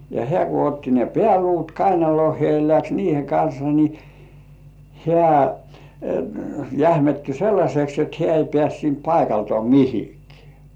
ja hän kun otti ne pääluut kainaloonsa ja lähti niiden kanssa niin hän jähmettyi sellaiseksi että hän ei päässyt siitä paikaltaan mihinkään